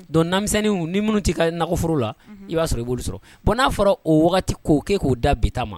Don namimisɛnninw ni minnu' i ka naoro la i b'a sɔrɔ i'olu sɔrɔ bɔn n'a fɔra o k'o k' k'o da bi ma